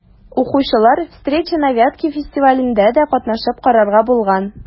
Укучылар «Встречи на Вятке» фестивалендә дә катнашып карарга булган.